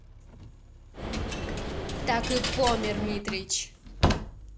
так и помер митрич